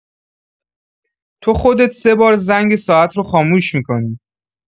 تو خودت سه بار زنگ ساعت رو خاموش می‌کنی.